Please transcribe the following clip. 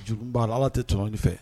Jurumu b'a la Ala tɛ tɔŋɔni fɛ